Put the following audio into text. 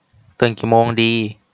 ตื่นกี่โมงดี